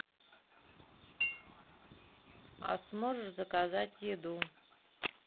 а сможешь заказать еду